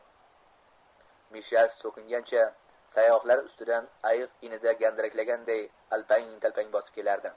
mishash so'kingancha sayg'oqlar ustidan ayiq inida gandiraklaganday alpang talpang bosib kelardi